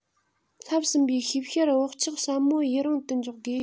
བསླབས ཟིན པའི ཤེས བྱར བག ཆགས ཟབ མོ ཡུན རིང དུ འཇོག དགོས